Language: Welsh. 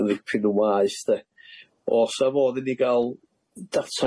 yn ddipyn yn waeth 'de. O's 'na fodd i ni ga'l data